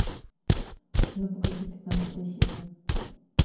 ну погоди пятнадцатая серия